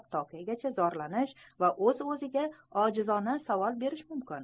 tokaygacha vijdonan o'zini qiynab zorlanish va o'z o'ziga ojizona savol berish mumkin